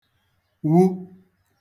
wu